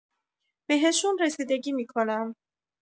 بهشون رسیدگی می‌کنم.